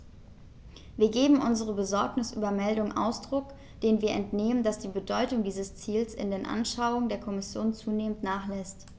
Wir geben unserer Besorgnis über Meldungen Ausdruck, denen wir entnehmen, dass die Bedeutung dieses Ziels in den Anschauungen der Kommission zunehmend nachlässt.